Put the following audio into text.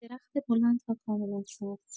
درخت بلند و کاملا سبز